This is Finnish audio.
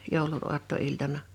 joulun aattoiltana